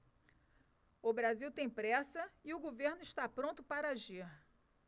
o brasil tem pressa e o governo está pronto para agir